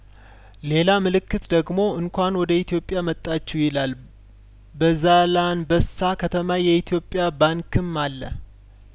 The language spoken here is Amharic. ሌላ ምልክት ደግሞ እንኳን ወደ ኢትዮጵያ መጣችሁ ይላል በዛላንበሳ ከተማ የኢትዮጵያ ባንክም አለ